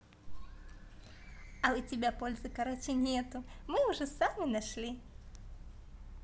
а у тебя пользы короче нету мы уже сами нашли